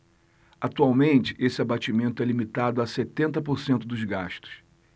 atualmente esse abatimento é limitado a setenta por cento dos gastos